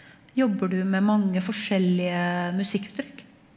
jobber du med mange forskjellige musikkuttrykk?